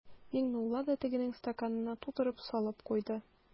Миңнулла да тегенең стаканына тутырып салып куйды.